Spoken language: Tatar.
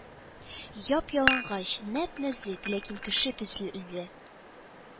Яп-ялангач, нәп-нәзек, ләкин кеше төсле үзе;